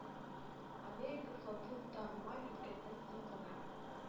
Америка флотын тар-мар иткәннән соң гына